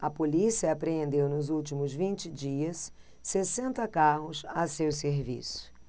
a polícia apreendeu nos últimos vinte dias sessenta carros a seu serviço